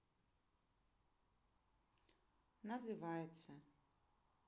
называется